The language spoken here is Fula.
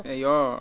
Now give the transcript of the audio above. eyyoo